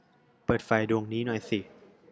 เปิดไฟดวงนี้หน่อยสิ